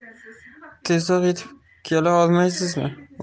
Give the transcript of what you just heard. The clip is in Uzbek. tezroq yetib kela olmaysizmi